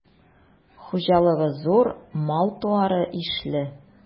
Хуҗалыгы зур, мал-туары ишле.